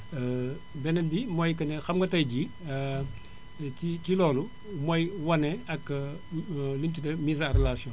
beneen bi mooy que ne xam nga tey jii ci ci ci loolu mooy wane ak li ñu tuddee mise en relation